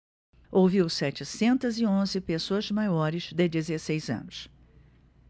ouviu setecentos e onze pessoas maiores de dezesseis anos